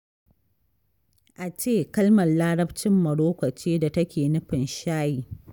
Atay kalmar Larabcin Morocco ce da take nufin shayi.